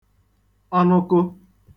ọnụkụ